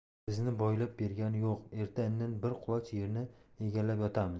bizni boylab bergani yo'q erta indin bir quloch yerni egallab yotamiz